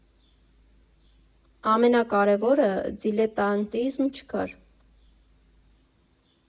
«Ամենակարևորը՝ դիլետանտիզմ չկար»